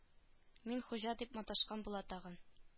Мин хуҗа дип маташкан була тагын